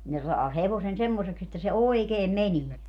ne saa hevosen semmoiseksi että se oikein menee